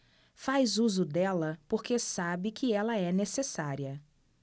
faz uso dela porque sabe que ela é necessária